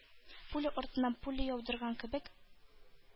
Пуля артыннан пуля яудырган кебек,